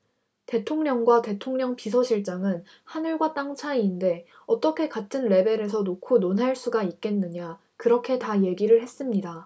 대통령과 대통령 비서실장은 하늘과 땅 차이인데 어떻게 같은 레벨에서 놓고 논할 수가 있겠느냐 그렇게 다 얘기를 했습니다